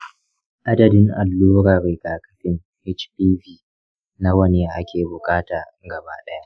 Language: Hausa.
adadin allurar rigakafin hpv nawa ne ake buƙata gabaɗaya?